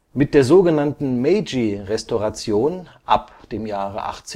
Mit der sogenannten Meiji-Restauration (ab 1868